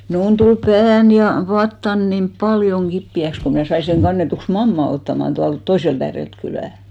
minun tuli pääni ja vatsani niin paljon kipeäksi kun minä sain sen kannetuksi mammaa ottamaan tuolta toiselta ääreltä kylää